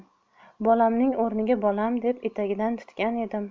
bolamning o'rniga bolam deb etagidan tutgan edim